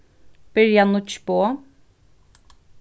byrja nýggj boð